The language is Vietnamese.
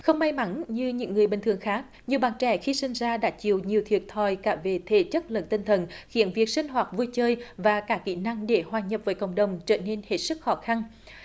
không may mắn như những người bình thường khác nhiều bạn trẻ khi sinh ra đã chịu nhiều thiệt thòi cả về thể chất lẫn tinh thần khiến việc sinh hoạt vui chơi và cả kỹ năng để hòa nhập với cộng đồng trở nên hết sức khó khăn